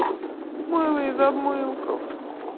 мыло из обмылков